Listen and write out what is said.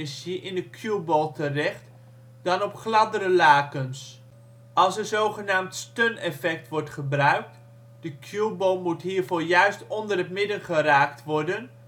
de cueball terecht dan op gladdere lakens. Als er zogenaamd ' stun '- effect wordt gebruikt (de cueball moet hiervoor juist onder het midden geraakt worden